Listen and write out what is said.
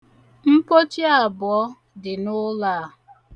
Mpochi abụọ dị n'ụlọ a.